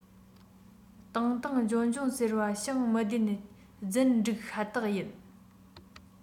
བཏང བཏང འཇོན འཇོན ཟེར བ བྱིངས མི བདེན རྫུན སྒྲིག ཤ སྟག ཡིན